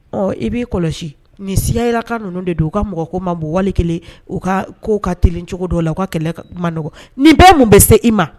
Ɔ i b'i kɔlɔsi nin siya jira ka ninnu de don u ka mɔgɔ ko ma bon wali kelen u ka ko ka t cogo dɔ la u ka kɛlɛ kuma nɔgɔ ni bɛɛ mun bɛ se i ma